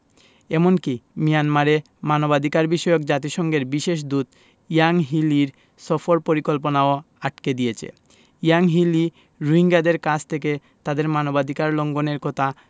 এমনকি মিয়ানমারে মানবাধিকারবিষয়ক জাতিসংঘের বিশেষ দূত ইয়াংহি লির সফর পরিকল্পনাও আটকে দিয়েছে ইয়াংহি লি রোহিঙ্গাদের কাছ থেকে তাদের মানবাধিকার লঙ্ঘনের কথা